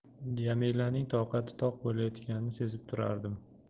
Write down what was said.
jamilaning toqati toq bo'layotganini sezib turardim